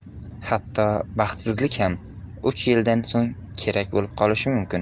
hatto baxtsizlik ham uch yildan so'ng kerak bo'lib qolishi mumkin